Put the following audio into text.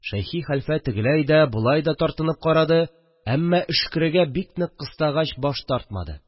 Шәйхи хәлфә тегеләй дә, болай да тартынып карады, әммә, өшкерергә бик нык кыстагач, баш тартмады